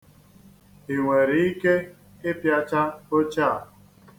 I nwere ike ịpịacha oche a?